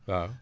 waaw